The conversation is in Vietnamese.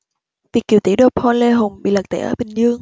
việt kiều tỷ đô paul lê hùng bị lật tẩy ở bình dương